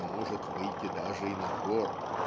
не может выйти даже и на двор.